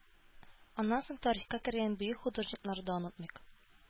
Аннан соң тарихка кергән бөек художникларны да онытмыйк.